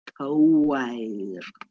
Cywair!